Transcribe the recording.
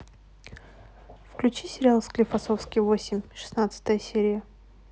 включи сериал склифосовский восемь шестнадцатая серия